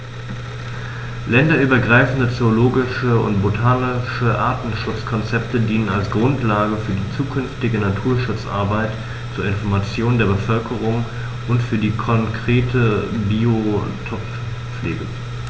Länderübergreifende zoologische und botanische Artenschutzkonzepte dienen als Grundlage für die zukünftige Naturschutzarbeit, zur Information der Bevölkerung und für die konkrete Biotoppflege.